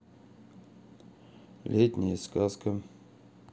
летняя сказка